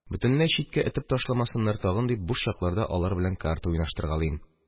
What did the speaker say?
Бөтенләй читкә этеп ташламасыннар тагын дип, буш чакларда алар белән карта уйнаштыргалыйм.